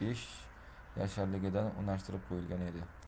mirzoga besh yasharligidan unashtirib qo'yilgan edi